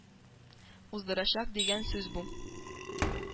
Уздырачак дигән сүз бу.